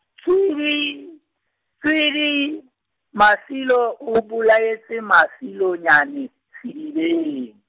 tswidi, tswidi, Masilo o bolaetse Masilonyane, sedibeng.